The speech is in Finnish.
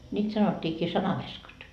niitä sanottiinkin sanaveskat